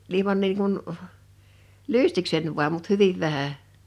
ilman niin kuin lystikseni vain mutta hyvin vähän